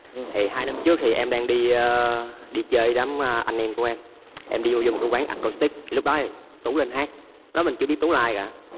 thì hai năm trước thì em đang đi a đi chơi đám anh em của em em đi dô một cái quán ác cao sờ tích lúc đó tú lên hát đó mình chưa biết tú là ai cả